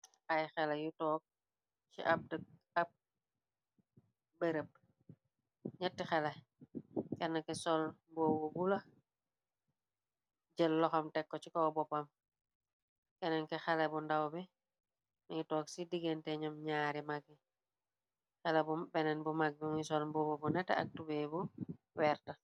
Ay xele yu toog ci ab dëkk ab bërëb ñetti xele kennki sol mboobu bula jël loxam tekko ci kow boppam kennenki xelé bu ndawbe nanu toog ci diggénte ñoom ñaari magi xelé bu beneen bu mag bi nuy sol mbooba bu nete ak tubee bu weerta.